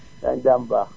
yaa ngi si jàmm bu baax